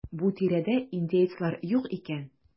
Бу тирәдә индеецлар юк икән.